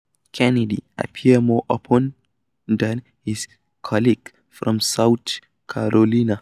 Kennedy appeared more open than his colleague from South Carolina.